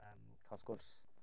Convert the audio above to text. yym cael sgwrs